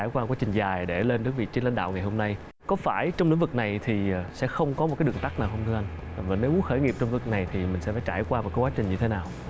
trải qua quá trình dài để lên đứng vị trí lãnh đạo ngày hôm nay có phải trong lĩnh vực này thì sẽ không có một cái đường tắt nào không thưa anh làm và nếu khởi nghiệp trong lúc này thì mình sẽ phải trải qua một quá trình như thế nào